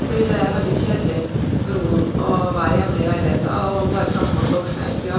Fordi det er veldig kjedelig for ho å være hjemme i leiligheta å bare sammen med oss voksne hele tida.